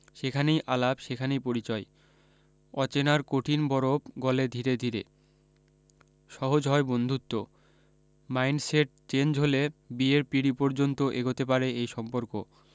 সেখানেই আলাপ সেখানেই পরিচয় অচেনার কঠিন বরফ গলে ধীরে ধীরে সহজ হয় বন্ধুত্ব মাইন্ড সেট চেঞ্জ হলে বিয়ের পিঁডি পর্যন্ত এগোতে পারে এই সম্পর্ক